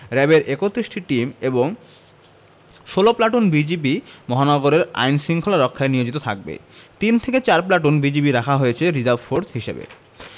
র ্যাবের ৩১টি টিম এবং ১৬ প্লাটুন বিজিবি মহানগরীতে আইন শৃঙ্খলা রক্ষায় নিয়োজিত থাকবে তিন থেকে চার প্লাটুন বিজিবি রাখা হয়েছে রিজার্ভ ফোর্স হিসেবে